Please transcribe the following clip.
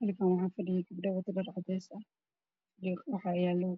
Meeshaan waxaa fadhiyo gabdho wato dhar cadaan ah waxaa dhex yaalo